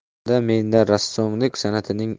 o'shanda menda rassomlik san'atining